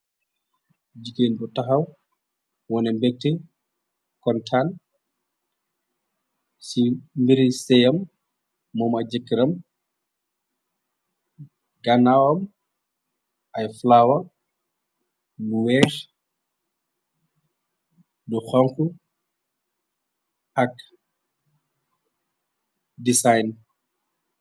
Jigéen bu taxaw wone mbekte, kontan ci mbiri seyem, mom ay jëkkiram, ganaaw ay falawa bu weex, bu xonxu ak desayen.